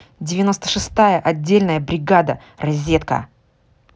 девяносто шестая отдельная бригада розетка